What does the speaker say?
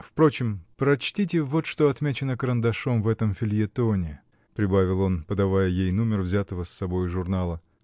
Впрочем, прочтите вот, что отмечено карандашом в этом фельетоне, -- прибавил он, подавая ей нумер взятого с собою журнала.